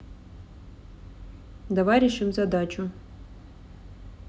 давай решим задачу